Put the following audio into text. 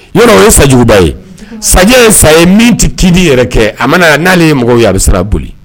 Yɔrɔ o ye sa juguba ye saga ye saya ye min tɛ kidi yɛrɛ kɛ a mana n'ale ye mɔgɔw ye a bɛ sera boli